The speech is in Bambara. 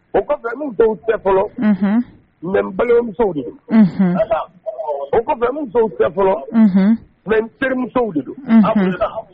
O dɔw cɛ fɔlɔ mɛ balima musow de don o dɔw cɛ fɔlɔ nka terimusow de don